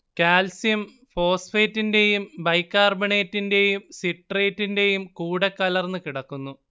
calcium ഫോസ്ഫേറ്റിന്റേയും ബൈകാർബണേറ്റിന്റേയും സിട്രേറ്റിന്റേയും കൂടെക്കലർന്ന് കിടക്കുന്നു